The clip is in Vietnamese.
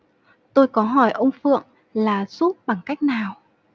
tôi có hỏi ông phượng là giúp bằng cách nào